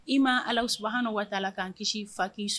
I ma Alahusubahanahu wataala k'an kisi fa k'i su